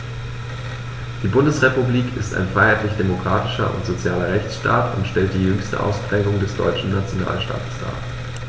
Die Bundesrepublik ist ein freiheitlich-demokratischer und sozialer Rechtsstaat und stellt die jüngste Ausprägung des deutschen Nationalstaates dar.